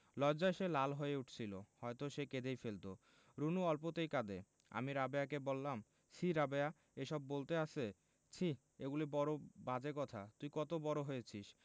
লজ্জায় সে লাল হয়ে উঠেছিলো হয়তো সে কেঁদেই ফেলতো রুনু অল্পতেই কাঁদে আমি রাবেয়াকে বললাম ছিঃ রাবেয়া এসব বলতে আছে ছিঃ এগুলি বড় বাজে কথা তুই কত বড় হয়েছিস